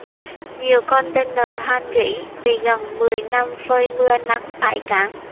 nhiều container han gỉ vì gần mười năm phơi mưa nắng tại cảng